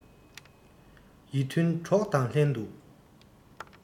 ཡིད མཐུན གྲོགས དང ལྷན ཏུ